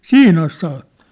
siihen asti saattoi